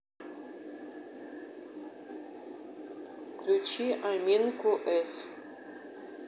включи аминку с